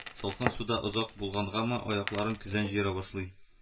Салкын суда озак булгангамы, аякларын көзән җыера башлый